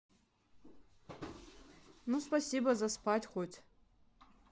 ну спасибо за спать хоть